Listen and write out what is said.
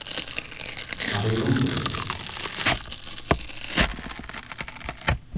hann tekur undir við tí